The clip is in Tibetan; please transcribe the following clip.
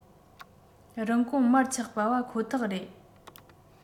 རིན གོང མར ཆག པ པ ཁོ ཐག རེད